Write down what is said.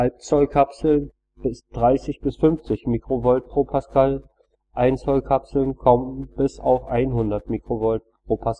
1/2-Zoll-Kapseln bis 30 bis 50 mV/Pa, 1-Zoll-Kapseln kommen bis auf 100 mV/Pa